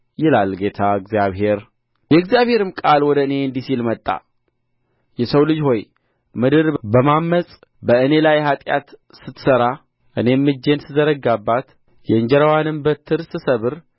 ይላል ጌታ እግዚአብሔር የእግዚአብሔርም ቃል ወደ እኔ እንዲህ ሲል መጣ የሰው ልጅ ሆይ ምድር በማመፅ በእኔ ላይ ኃጢአት ስትሠራ እኔም እጄን ስዘረጋባት የእንጀራዋንም በትር ስሰብር